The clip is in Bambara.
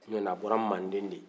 a bɔra manden de